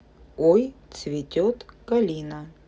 ой цветет калина